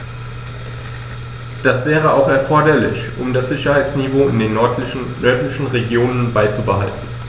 Das wäre auch erforderlich, um das Sicherheitsniveau in den nördlichen Regionen beizubehalten.